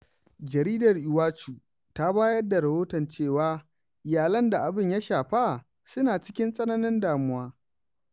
Jaridar Iwacu ta bayar da rahoton cewa iyalan da abin ya shafa suna cikin tsananin damuwa.